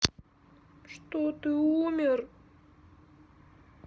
что ты умер